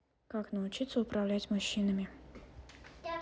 как научиться управлять мужчинами